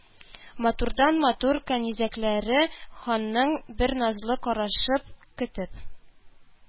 Матурдан-матур кәнизәкләре ханның бер назлы карашын көтеп,